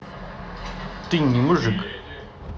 ну ты мужик